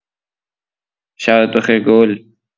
شبت بخیر گل